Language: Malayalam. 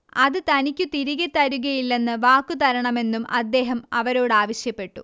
അത് തനിക്കു തിരികെ തരുകയില്ലെന്ന് വാക്കുതരണമെന്നും അദ്ദേഹം അവരോടാവശ്യപ്പെട്ടു